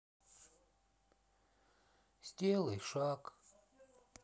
сделай шаг